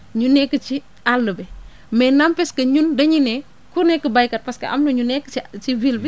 ñu nekk ci àll bi mais n' empêche que ñun dañuy ne ku nekk béykat parce que am na ñu nekk si